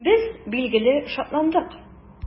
Без, билгеле, шатландык.